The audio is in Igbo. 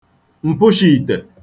m̀pụshiìte